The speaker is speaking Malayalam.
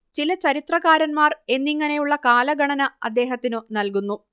ചില ചരിത്രകാരന്മാർ എന്നിങ്ങനെയുള്ള കാലഗണന അദ്ദേഹത്തിനു നല്കുന്നു